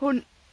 Hwn.